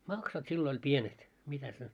maksut silloin oli pienet mitäs ne